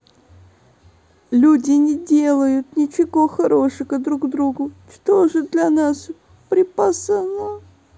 люди не делают ничего хорошего для друг друга что же для нас припасено